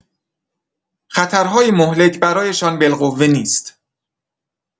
خطرهای مهلک برایشان بالقوه نیست.